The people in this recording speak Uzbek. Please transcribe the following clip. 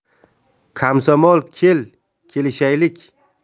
komsomol kel kelishaylik